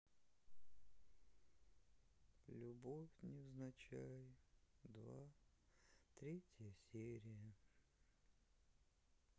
любовь невзначай два третья серия